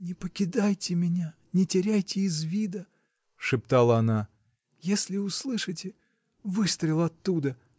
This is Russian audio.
— Не покидайте меня, не теряйте из вида, — шептала она. — Если услышите. выстрел оттуда.